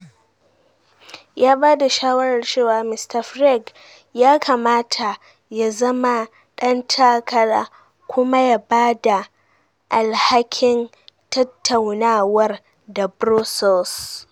Ya ba da shawarar cewa Mr Farage ya kamata ya zama dan takara kuma ya ba da alhakin tattaunawar da Brussels.